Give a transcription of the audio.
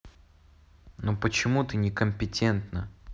ну почему ты некомпетентна